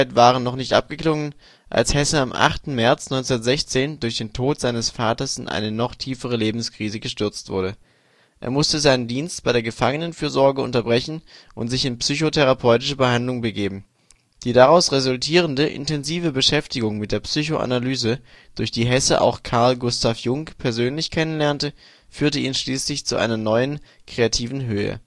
waren noch nicht abgeklungen, als Hesse am 8. März 1916 durch den Tod seines Vaters in eine noch tiefere Lebenskrise gestürzt wurde. Er musste seinen Dienst bei der Gefangenenfürsorge unterbrechen und sich in psychotherapeutische Behandlung begeben. Die daraus resultierende intensive Beschäftigung mit der Psychoanalyse, durch die Hesse auch Carl Gustav Jung persönlich kennenlernte, führte ihn schließlich zu einer neuen kreativen Höhe